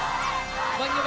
vâng như